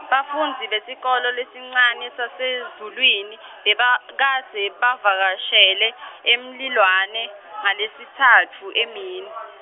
bafundzi besikolwa lesincane saseZulwini, bebakadze bavakashele, eMlilwane, ngaLesitsatfu, emini.